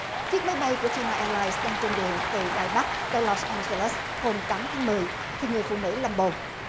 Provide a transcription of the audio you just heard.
chiếc máy bay của chai na e lai đang trên đường từ đài bắc tại lốt an ge lớt hôm tám tháng mười thì người phụ nữ lầm bồn